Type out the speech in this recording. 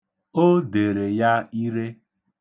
O dere ya ire.